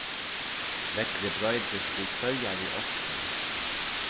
veðrið broytist við hvørjari árstíð